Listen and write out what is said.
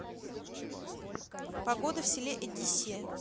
погода в селе эдиссия